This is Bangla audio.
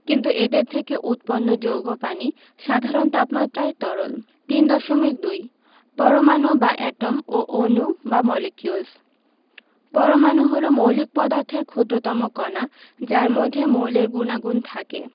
কিন্তু এদের থেকে উৎপন্ন যৌগ পানি সাধারণ তাপমাত্রায় তরল ৩.২ পরমাণু বা এটম ও অণু বা মলিকিউলস পরমাণু হলো মৌলিক পদার্থের ক্ষুদ্রতম কণা যার মধ্যে মৌলের গুণাগুণ থাকে